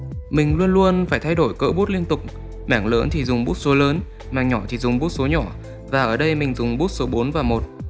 mình luôn luôn phải thay đổi cỡ bút liên tục mảng lớn thì dùng bút số lớn mảng nhỏ thì dùng bút số nhỏ ở đây mình dùng bút số và